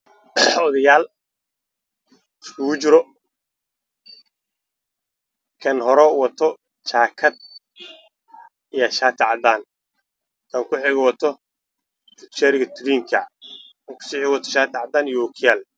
Waa hool waxaa iskugu imaaday niman wataan shaati cadaan madow